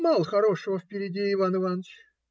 - Мало хорошего впереди, Иван Иваныч.